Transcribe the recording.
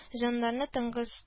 Җаннарны тынгыз